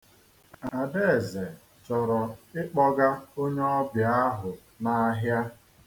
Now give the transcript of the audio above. Adaeze chọrọ ịkpọga onye ọbịa ahụ n'ahịa.